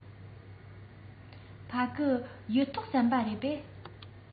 ཕ གི གཡུ ཐོག ཟམ པ རེད པས